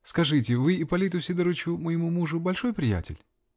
Скажите -- вы Ипполиту Сидорычу, моему мужу, большой приятель ?